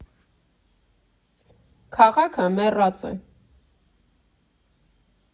Քաղաքը մեռած է։